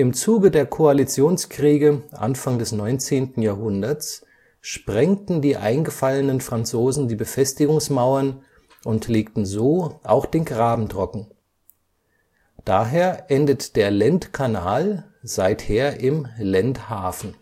Zuge der Koalitionskriege Anfang des 19. Jahrhunderts sprengten die eingefallenen Franzosen die Befestigungsmauern und legten so auch den Graben trocken. Daher endet der Lendkanal seither im „ Lendhafen